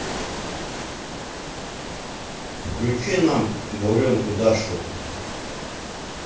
включи нам буренку дашу